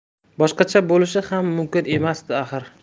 boshqacha bo'lishi ham mumkin emasdi axir